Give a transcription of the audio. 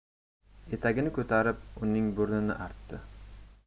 etagini ko'tarib uning burnini artdi